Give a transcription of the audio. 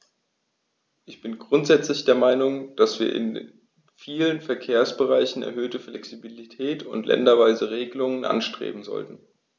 Ich bin grundsätzlich der Meinung, dass wir in vielen Verkehrsbereichen erhöhte Flexibilität und länderweise Regelungen anstreben sollten.